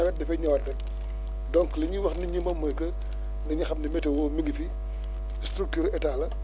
nawet dafay ñëwaat rek donc li ñuy wax nit ñi moom mooy que nit ñi xam ne météo mi ngi fi struture état la